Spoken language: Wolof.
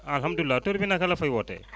alhamdulilah tur bi naka la fooy wootee